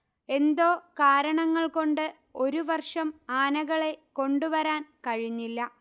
എന്തോ കാരണങ്ങൾകൊണ്ട് ഒരു വർഷം ആനകളെ കൊണ്ടുവരാൻ കഴിഞ്ഞില്ല